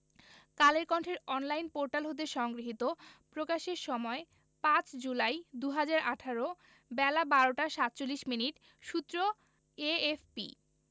কালের কন্ঠের online portal হতে সংগৃহীত প্রকাশের সময় ৫ জুলাই ২০১৮ বেলা ১২টা ৪৭ মিনিট সূত্র এএফপি